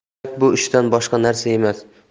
hayot bu ishdan boshqa narsa emas